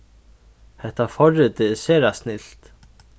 hetta forritið er sera snilt